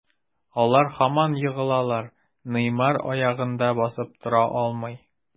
Алар һаман егылалар, Неймар аягында басып тора алмый.